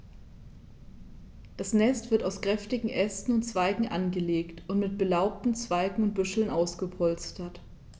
Das Nest wird aus kräftigen Ästen und Zweigen angelegt und mit belaubten Zweigen und Büscheln ausgepolstert.